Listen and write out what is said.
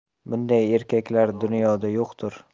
bunday erkaklar dunyoda yo'qdir